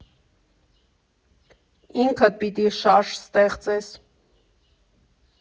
Ինքդ պիտի շարժ ստեղծես։